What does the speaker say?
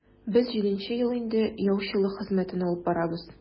Без җиденче ел инде яучылык хезмәтен алып барабыз.